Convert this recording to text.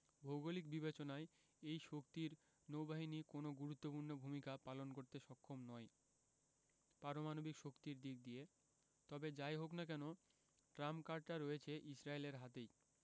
ভৌগোলিক বিবেচনায় এই শক্তির নৌবাহিনী কোনো গুরুত্বপূর্ণ ভূমিকা পালন করতে সক্ষম নয় পারমাণবিক শক্তির দিক দিয়ে তবে যা ই হোক না কেন ট্রাম্প কার্ডটা রয়েছে ইসরায়েলের হাতেই